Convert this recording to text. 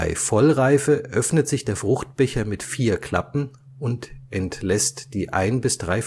Vollreife öffnet sich der Fruchtbecher mit vier Klappen und entlässt die ein bis drei